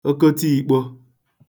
okoti ikpo